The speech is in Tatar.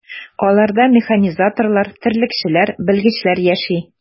Аларда механизаторлар, терлекчеләр, белгечләр яши.